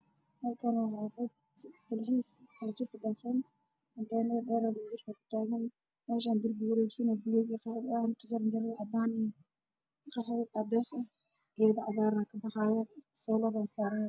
Meeshaan meel waddo ah waxaana ka dambeeya meel darjiin ah waxaana ka sii danbeeyo taallo ah oo calan ku sugan yahay